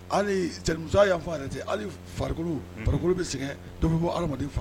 Ali cɛ y'an fɔ yɛrɛ hali farikolokulu farikolokulu bɛ sɛgɛn dɔbi bɔ ha faga